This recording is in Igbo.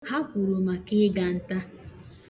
Ha kwuru maka ịga nta.